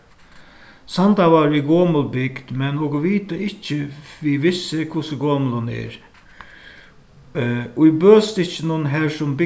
sandavágur er gomul bygd men okur vita ikki við vissu hvussu gomul hon er í bøstykkinum har sum